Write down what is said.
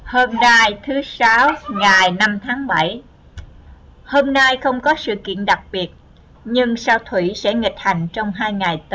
hôm nay thứ sáu ngày tháng hôm nay không có sự kiện đặc biệt nhưng sao thủy sẽ nghịch hành trong ngày tới